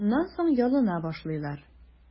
Шуннан соң ялына башлыйлар.